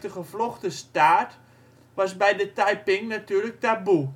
gevlochten staart was bij de Taiping natuurlijk taboe